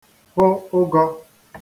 kwụ ụgọ̄